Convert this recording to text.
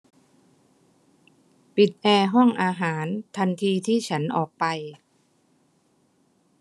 ปิดแอร์ห้องอาหารทันทีที่ฉันออกไป